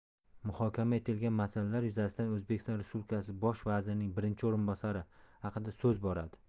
muhokama etilgan masalalar yuzasidan o'zbekiston respublikasi bosh vazirining birinchi o'rinbosari haqida so'z boradi